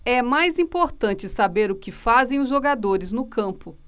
é mais importante saber o que fazem os jogadores no campo